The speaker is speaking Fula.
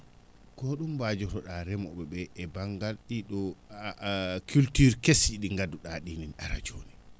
ko hoɗum mbaajoroɗaa remooɓe ɓee baŋngal ɗii ɗoo a a culture kesi ɗi ngannduɗaa ɗinin ara jooni